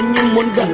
muốn gần